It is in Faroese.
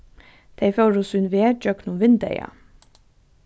tey fóru sín veg gjøgnum vindeygað